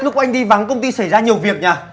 lúc anh đi vắng công ty xảy ra nhiều việc nhở